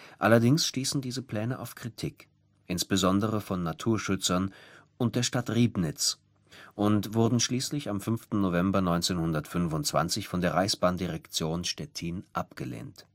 Allerdings stießen diese Pläne auf Kritik, insbesondere von Naturschützern und der Stadt Ribnitz, und wurden schließlich am 5. November 1925 von der Reichsbahndirektion Stettin abgelehnt